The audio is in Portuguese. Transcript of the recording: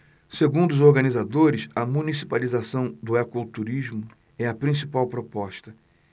segundo os organizadores a municipalização do ecoturismo é a principal proposta